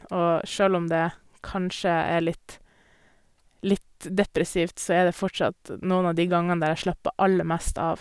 Og sjøl om det kanskje er litt litt depressivt, så er det fortsatt noen av de gangene der jeg slapper aller mest av.